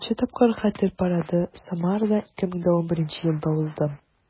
Беренче тапкыр Хәтер парады Самарада 2011 елда узды.